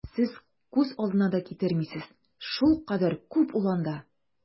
Сез күз алдына да китермисез, шулкадәр күп ул анда!